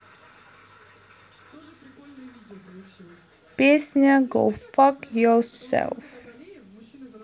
песня go fuck yourself